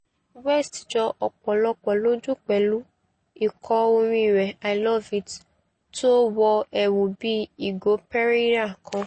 West jọ ọ̀pọ̀lọpọ̀ lójú pẹ̀lú ìkọ orin rẹ̀ I Love it, tó wọ ẹ̀wù bíi Ìgò Perrier kan.